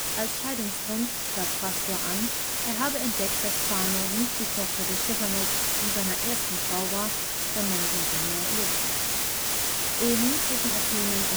Als Scheidungsgrund gab Phrastor an, er habe entdeckt, dass Phano nicht die Tochter des Stephanos und seiner ersten Frau war, sondern die der Neaira. Ehen zwischen Athenern und